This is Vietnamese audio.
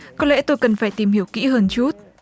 có lẽ tôi cần phải tìm hiểu kỹ hơn chút